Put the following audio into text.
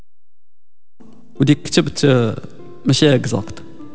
كتبت مساك ساكته